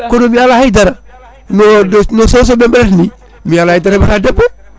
kono mi ala haydara no no Sowoɓe ɓe mbaɗata ni mi ala hayadar heeɓata debbo